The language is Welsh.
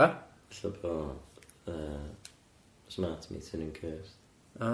Ella bo yy smart meter ni'n cursed.